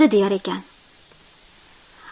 deyar ekan